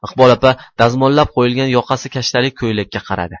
iqbol opa dazmollab qo'yilgan yoqasi kashtalik ko'ylakka qaradi